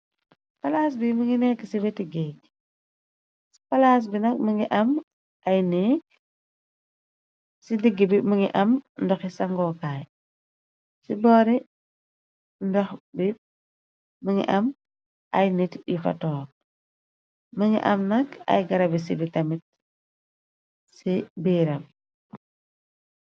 Palaas bi mi ngi nekka ci weti gée gi, ci palaas bi nak mi ngi am ay neek, ci digg bi më ngi am ndoxi sangookaay, ci boori ndox bi më ngi am ay nit yi fa tog, më ngi am nakk ay garabi ci bi tamit ci biiram.